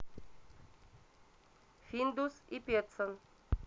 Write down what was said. финдус и петсон